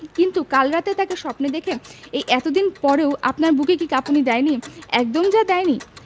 কিন্তু কাল রাতে তাকে স্বপ্নে দেখে এই এত দিন পরও আপনার বুকে কি কাঁপুনি দেয়নি একদম যে দেয়নি